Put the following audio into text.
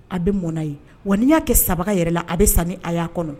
A bɛ mɔna ye. Wa n'i y'a kɛ sabaga yɛrɛ la, a bɛ sa ni a y'a kɔnɔ